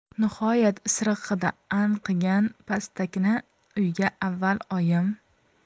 nihoyat isiriq hidi anqigan pastakkina uyga avval oyim